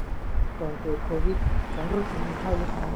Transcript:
ก่อนตรวจโควิดฉันรู้สึกมีไข้เล็กน้อย